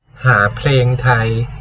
หาเพลงไทย